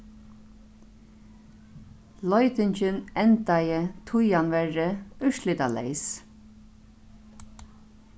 leitingin endaði tíanverri úrslitaleys